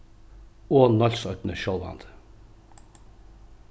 og nólsoynni sjálvandi